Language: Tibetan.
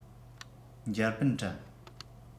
འཇར པན དྲན